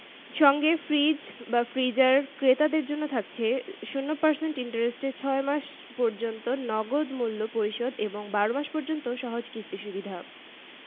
journal of the International Phonetic Association Bengali Bangladeshi standard Samir ud Daula Khan